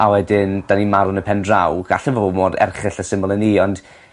a wedyn 'dan ni'n marw yn y pendraw. Galle fe bo' mor erchyll a syml â 'ny ond